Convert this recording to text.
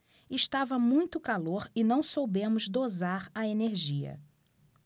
estava muito calor e não soubemos dosar a energia